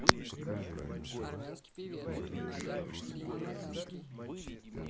сделать тише наполовину